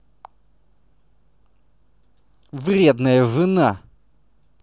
вредная жена